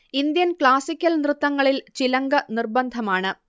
Indian classical നൃത്തങ്ങളിൽ ചിലങ്ക നിർബന്ധമാണ്